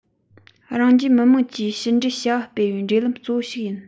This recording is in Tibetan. རང རྒྱལ མི དམངས ཀྱིས ཕྱི འབྲེལ བྱ བ སྤེལ བའི འགྲོ ལམ གཙོ བོ ཞིག ཡིན